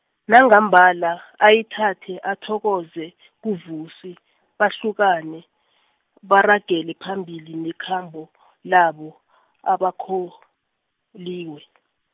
nangambala, ayithathe, athokoze, kuVusi, bahlukane, baragele phambili nekhambo , labo , aboKholiwe.